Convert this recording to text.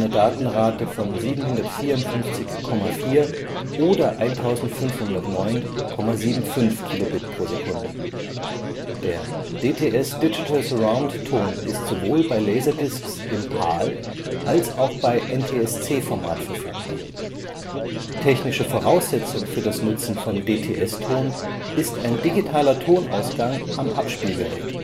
Datenrate von 754,5 oder 1509,75 kbit/s. Der „ dts Digital Surround “- Ton ist sowohl bei LaserDiscs im PAL - als auch bei NTSC-Format verfügbar. Technische Voraussetzung für das Nutzen von DTS-Ton ist ein digitaler Tonausgang am Abspielgerät